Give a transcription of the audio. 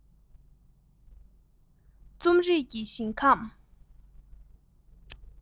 རྩོམ རིག གི ཞིང ཁམས